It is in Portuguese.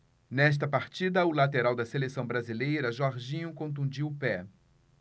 nesta partida o lateral da seleção brasileira jorginho contundiu o pé